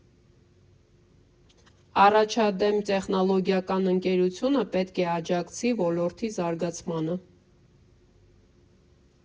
Առաջադեմ տեխնոլոգիական ընկերությունը պետք է աջակցի ոլորտի զարգացմանը։